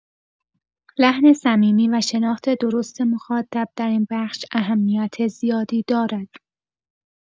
لحن صمیمی و شناخت درست مخاطب در این بخش اهمیت زیادی دارد.